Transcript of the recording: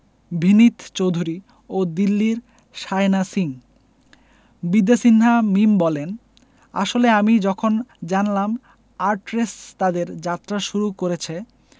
ভিনিত চৌধুরী ও দিল্লির শায়না সিং বিদ্যা সিনহা মিম বলেন আসলে আমি যখন জানলাম আর্টরেস তাদের যাত্রা শুরু করেছে